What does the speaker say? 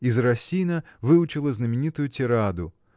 из Расина выучила знаменитую тираду